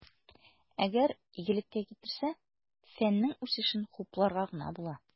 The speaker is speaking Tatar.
Әгәр игелеккә китерсә, фәннең үсешен хупларга гына була.